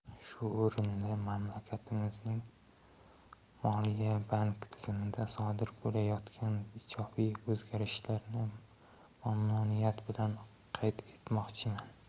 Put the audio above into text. shu o'rinda mamlakatimiz moliya bank tizimida sodir bo'layotgan ijobiy o'zgarishlarni mamnuniyat bilan qayd etmoqchiman